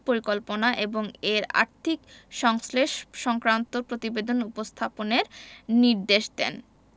পরিকল্পনা এবং এর আর্থিক সংশ্লেষ সংক্রান্ত প্রতিবেদন উপস্থাপনের নির্দেশ দেন